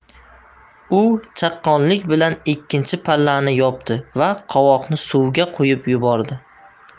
u chaqqonlik bilan ikkinchi pallani yopdi da qovoqni suvga qo'yib yubordi